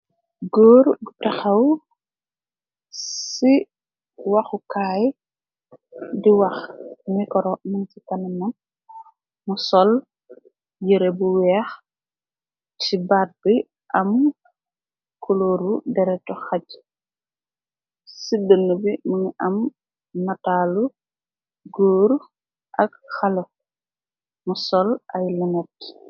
Góore bu taxaw ci waxukaay di wax mikoro min ci tanana mu sol yere bu weex ci baat bi am kulóoru deretu xaj ci dën bi mni am nataalu góor ak xalo mu sol ay lu nett.